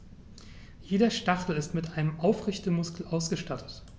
Jeder Stachel ist mit einem Aufrichtemuskel ausgestattet.